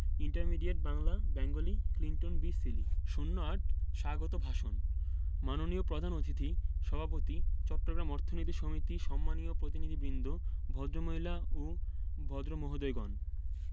intermediate Bangla Bengali Clinton B সিলি ০৮ স্বাগত ভাষণ মাননীয় প্রধান অতিথি সভাপতি চট্টগ্রাম অর্থনীতি সমিতি সম্মানীয় প্রতিনিধিবৃন্দ ভদ্রমহিলা ও ভদ্রমহোদয়গণ